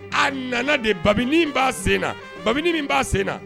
A nana de babini b'a senna, babini min b'a senna